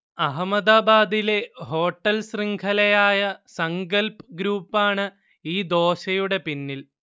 അഹമ്മദാബാദിലെ ഹോട്ടൽ ശൃംഘലയായ സങ്കൽപ് ഗ്രൂപ്പാണ് ഈ ദോശയുടെ പിന്നിൽ